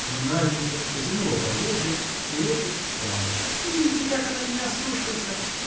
Но Наденька потянула поводья, и лошадь стала. – Видите, как она меня слушается!